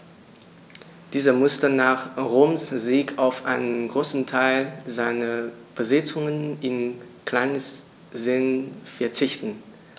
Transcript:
Dieser musste nach Roms Sieg auf einen Großteil seiner Besitzungen in Kleinasien verzichten.